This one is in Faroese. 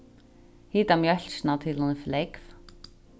hita mjólkina til hon er flógv